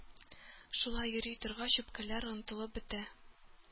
Шулай йөри торгач үпкәләр онытылып бетә.